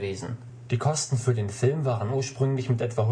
Kosten für den Film waren ursprünglich mit etwa